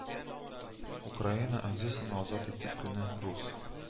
Украина - Одессаны азат итү көне рус